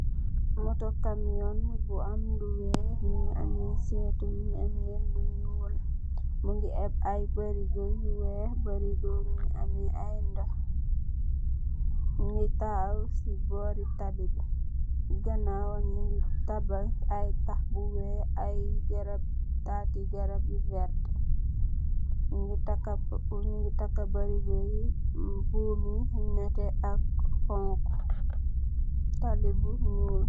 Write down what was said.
A lorry with black and white colours and with a mirror. It is carrying white barrels of water which are tied unto it with yellow and red ropes. It is parked near a black tarred road and there are story buildings and trees behind the lorry.